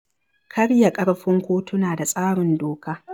Karya ƙarfin kotuna da tsarin doka